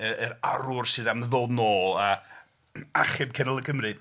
Yy yr arwr sydd am ddod nôl a achub cenedl Cymru.